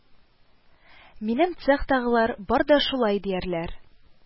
Минем цехтагы лар бар да шулай диярләр